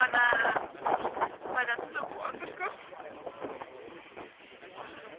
Ma' 'na, mae 'na dywod, wrth gwrs.